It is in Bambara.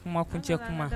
Kumakuncɛ kuma